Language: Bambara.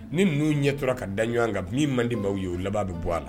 Ni ninnu ɲɛ tora ka da ɲɔan kan, min man di maaw ye, o bɛ bɔ a la.